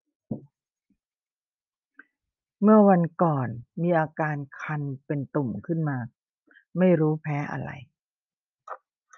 เมื่อวันก่อนมีอาการคันเป็นตุ่มขึ้นมาไม่รู้แพ้อะไร